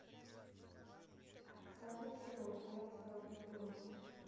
александр серов я в тебя влюблен